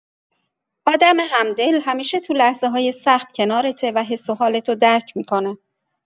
آدم همدل همیشه تو لحظه‌های سخت کنارته و حس و حالت رو درک می‌کنه.